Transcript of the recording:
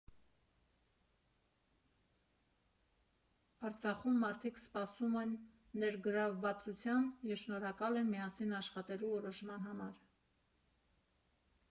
Արցախում մարդիկ սպասում են ներգրավվածության և շնորհակալ են միասին աշխատելու որոշման համար։